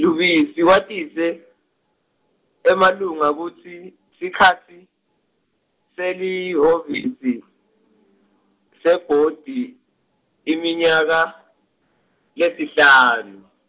Lubisi watise, emalunga kutsi, sikhatsi, selihhovisi, sebhodi, iminyaka, lesihlanu.